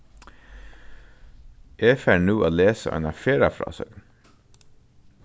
eg fari nú at lesa eina ferðafrásøgn